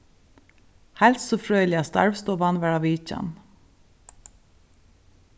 heilsufrøðiliga starvsstovan var á vitjan